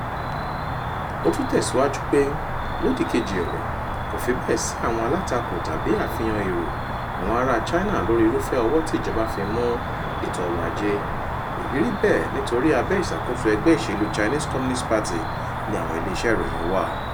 "Ó tún tẹ̀síwájú pé “Lódì kejì ẹ̀wẹ̀, kò fi bẹ́ẹ̀ sí àwọn alátakò tàbí ààfihàn èrò àwọn ará China lórí irúfẹ́ ọwọ́ ti ìjọba fi mú ètò ọrọ̀ ajé. Èyí rí bẹ́ẹ̀ nítorí abẹ́ ìṣàkóso ẹgbẹ́ ìṣèlú Chinese Communist Party ni àwọn ilé iṣẹ́ ìròyìn wà.